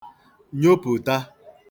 nyopụ̀ta